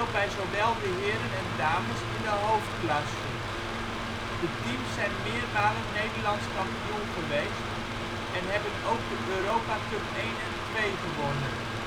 bij zowel de heren en dames in de hoofdklasse. De teams zijn meermalen Nederlands kampioen geweest en hebben ook de Europacup I en II gewonnen. In